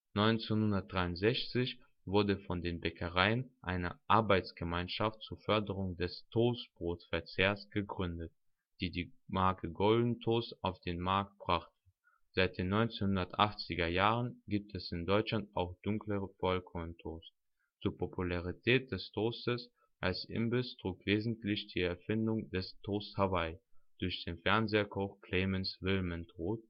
1963 wurde von Bäckereien eine Arbeitsgemeinschaft zur Förderung des Toastbrotverzehrs gegründet, die die Marke Golden Toast auf den Markt brachte. Seit den 1980er Jahren gibt es in Deutschland auch dunkleren Vollkorntoast. Zur Popularität des Toasts als Imbiss trug wesentlich die Erfindung des Toast Hawaii durch den Fernsehkoch Clemens Wilmenrod